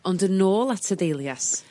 Ond yn ôl at y dahlias.